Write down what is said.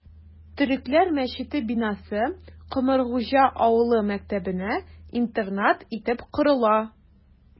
Төрекләр мәчете бинасы Комыргуҗа авылы мәктәбенә интернат итеп корыла...